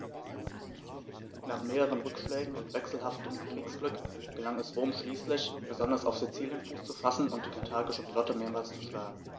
Nach mehreren Rückschlägen und wechselhaftem Kriegsglück gelang es Rom schließlich, besonders auf Sizilien Fuß zu fassen und die karthagische Flotte mehrmals zu schlagen.